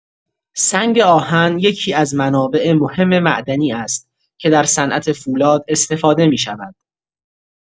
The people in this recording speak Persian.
سنگ‌آهن یکی‌از منابع مهم معدنی است که در صنعت فولاد استفاده می‌شود.